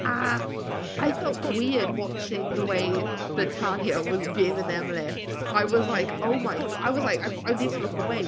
a I felt weird watching the way that Tanya was giving them lips I was like "oh my g-" I was like "I wo- need to look away".